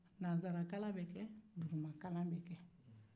nansarrakalan be dugumkalan bɛ kɛ